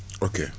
ok